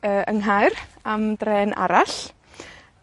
yy yng Nghaer am drên arall.